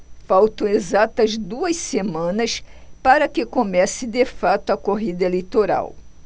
faltam exatas duas semanas para que comece de fato a corrida eleitoral